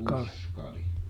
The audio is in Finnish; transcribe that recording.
Uskali